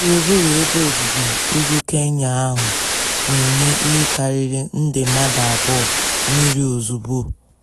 Gburugburu ebe obibi Ugwu Kenya ahụ na-enye ihe karịrị nde mmadụ abụọ mmiri ozugbo.